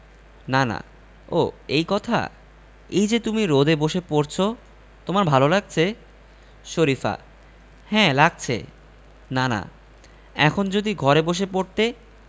নানা ও এই কথা এই যে তুমি রোদে বসে পড়ছ তোমার ভালো লাগছে শরিফা হ্যাঁ লাগছে নানা এখন যদি ঘরে বসে পড়তে